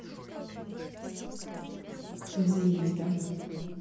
там заебись да